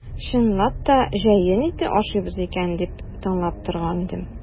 Чынлап та җәен ите ашыйбыз икән дип тыңлап торган идем.